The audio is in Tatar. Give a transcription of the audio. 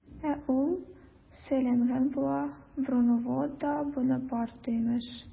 Ә ул сөйләнгән була, Бруновода Бунапарте имеш!